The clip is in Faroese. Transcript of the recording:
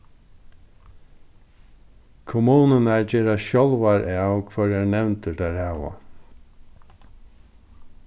kommunurnar gera sjálvar av hvørjar nevndir tær hava